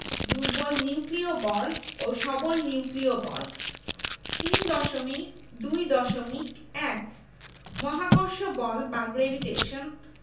দুর্বল নিউক্লিয় বল ও সবল নিউক্লিয় বল ৩.২.১ মহাকর্ষ বল বা গ্রেভিটেশন